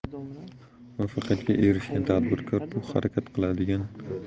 muvaffaqiyatga erishgan tadbirkor bu harakat qiladigan